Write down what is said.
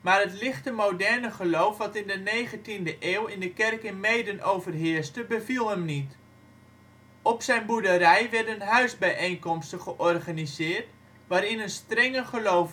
maar het lichte moderne geloof wat in de negentiende eeuw in de kerk in Meeden overheerste beviel hem niet. Op zijn boerderij werden huisbijeenkomsten georganiseerd, waarin een strenger geloof